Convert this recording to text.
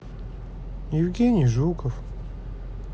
евгений жучков